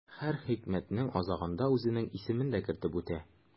Һәр хикмәтнең азагында үзенең исемен дә кертеп үтә.